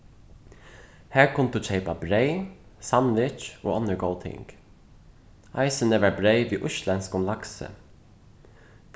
har kundi tú keypa breyð sandwich og onnur góð ting eisini var breyð við íslendskum laksi